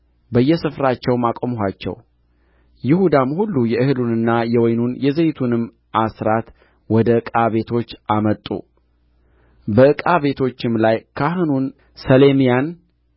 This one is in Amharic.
በየስፍራቸውም አቆምኋቸው ይሁዳም ሁሉ የእህሉንና የወይኑን የዘይቱንም አሥራት ወደ ዕቃ ቤቶች አመጡ በዕቃ ቤቶችም ላይ ካህኑን ሰሌምያን